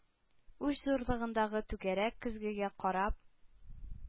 Уч зурлыгындагы түгәрәк көзгегә карап